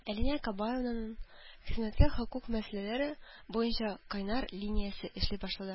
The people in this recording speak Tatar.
Алинә Кабаеваның хезмәткә хокук мәсьәләләре буенча кайнар линиясе эшли башлады